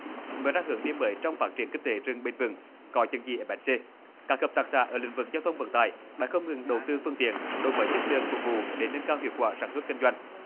mở ra hướng đi mới trong phát triển kinh tế rừng bền vững có chứng chỉ ép ét xê các hợp tác xã ở lĩnh vực giao thông vận tải đã không ngừng đầu tư phương tiện đổi mới chất lượng phục vụ để nâng cao hiệu quả sản xuất kinh doanh